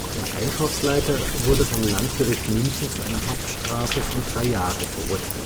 Der Einkaufsleiter wurde vom Landgericht München zu einer Haftstrafe von drei Jahren verurteilt